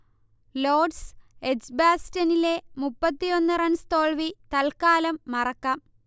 Lord's എജ്ബാസ്റ്റനിലെ മുപ്പത്തിയൊന്ന് runs തോൽവി തൽക്കാലം മറക്കാം